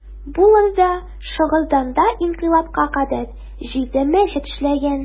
Булыр да, Шыгырданда инкыйлабка кадәр җиде мәчет эшләгән.